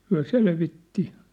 hän selvitti